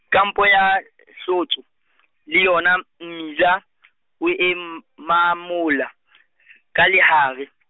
Kampo ya Hlotse , le yona mmila , o e mamola , ka lehare .